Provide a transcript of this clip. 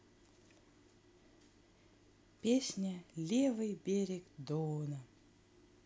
песня левый берег дона